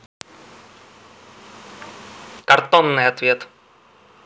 картонный ответ